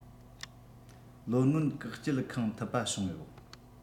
ལོ སྔོན བཀག སྐྱིལ ཁང ཐུབ པ བྱུང ཡོད